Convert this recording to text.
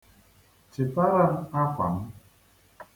Chịtara m akwa m.